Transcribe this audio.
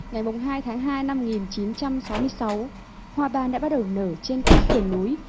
ngày mùng hai tháng hai năm nghìn chín trăm sáu mươi sáu hoa ban đã bắt đầu nở trên các sườn núi